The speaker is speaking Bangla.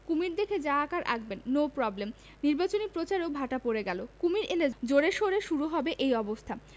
কুমীর দেখে যা আঁকার আঁকবেন নো প্রবলেম নিবাচনী প্রচারেও ভাটা পড়ে গেল কুমীর এলে জোরে সোরে শুরু হবে এই অবস্থা